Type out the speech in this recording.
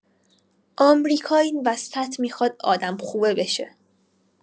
آمریکا این وسط می‌خواد آدم خوبه بشه